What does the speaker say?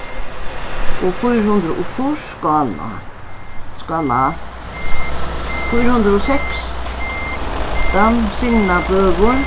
og fýra hundrað og fýrs skála skála fýra hundrað og seks signabøur